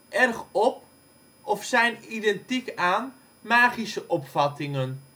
erg op, of zijn identiek aan magische opvattingen